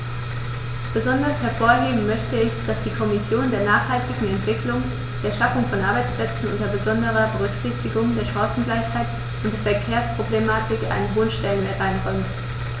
Besonders hervorheben möchte ich, dass die Kommission der nachhaltigen Entwicklung, der Schaffung von Arbeitsplätzen unter besonderer Berücksichtigung der Chancengleichheit und der Verkehrsproblematik einen hohen Stellenwert einräumt.